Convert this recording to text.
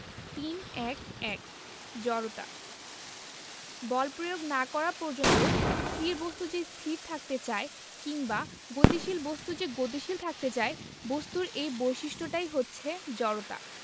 ৩১১ জড়তা বল প্রয়োগ না করা পর্যন্ত স্থির বস্তু যে স্থির থাকতে চায় কিংবা গতিশীল বস্তু যে গতিশীল থাকতে চায় বস্তুর এই বৈশিষ্ট্যটাই হচ্ছে জড়তা